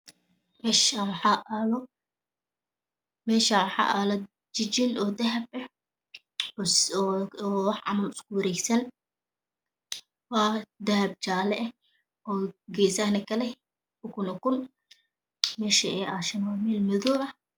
Meeshaan waxaa aali lahaa jijin oo dahab ah oo wax camal uwareegsan waa dahab jaale ah geesahana kaleh ukun ukun meesha ay aashana waa meel madoow ah